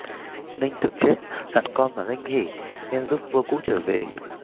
ninh thực chết dặn con là ninh hỉ nên giúp vua cũ trở về